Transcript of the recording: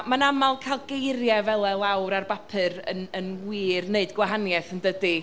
A mae'n aml cael geiriau fela lawr ar bapur yn yn wir wneud gwahaniaeth, yn dyddi.